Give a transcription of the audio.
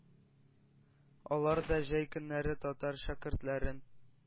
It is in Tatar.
Алар да җәй көннәре татар шәкертләрен